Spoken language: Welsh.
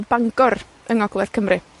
Bangor yng ngogledd Cymru.